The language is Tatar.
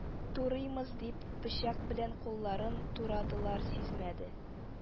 Турыймыз дип, пычак белән кулларын турадылар, сизмәде